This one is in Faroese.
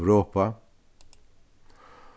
europa